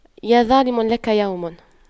يا ظالم لك يوم